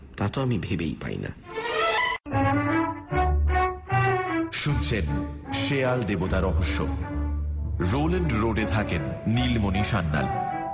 তা তো আমি ভেবেই পাই না শুনছেন শেয়াল দেবতা রহস্য রোল্যান্ড রোডে থাকেন নীলমণি সান্যাল